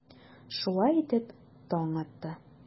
Шулай итеп, таң атты.